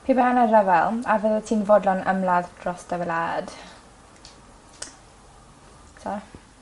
Pe bai 'na rhyfel a fyddet ti'n fodlon ymladd dros dy wlad? T' me'l?